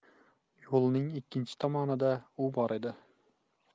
yo'lning ikkinchi tomonida u bor edi